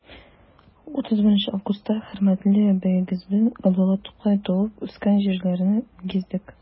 31 августта хөрмәтле бөегебез габдулла тукай туып үскән җирләрне гиздек.